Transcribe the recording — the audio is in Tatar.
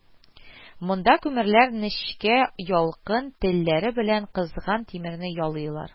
Монда күмерләр нечкә ялкын телләре белән кызган тимерне ялыйлар